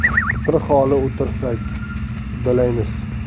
bir holi o'tirsak uddalaymiz